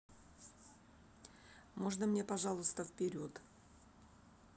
можно мне пожалуйста вперед